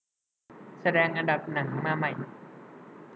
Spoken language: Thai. แสดงอันดับหนังมาใหม่